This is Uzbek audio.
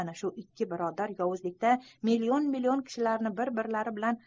ana shu ikki birodar yovuzlikda million million kishilarni bir birlari bilan